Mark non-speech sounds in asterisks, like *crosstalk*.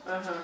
*hesitation* *hesitation*